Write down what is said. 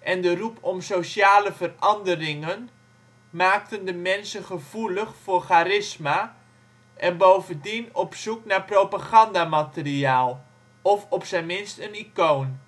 en de roep om sociale veranderingen maakten de mensen gevoelig voor charisma en bovendien op zoek naar propagandamateriaal, of op z 'n minst een icoon